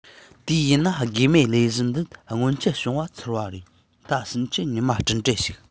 དེ ཡིན ན དགོས མེད ལབ གཞི འདི སྔོན ཆད བྱུང བ ཚར བ རེད ད ཕྱིན ཆད ཉི མ སྤྲིན བྲལ ཞིག